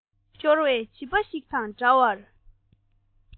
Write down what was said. ཤོར བའི བྱིས པ ཞིག དང འདྲ བར